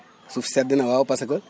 suuf sedd na waaw parce que